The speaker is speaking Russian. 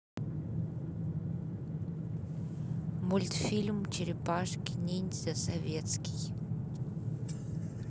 мультфильм черепашки ниндзя советский